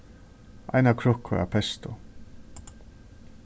eina krukku av pesto